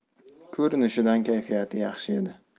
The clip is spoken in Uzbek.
ko'rinishdan kayfiyati yaxshi edi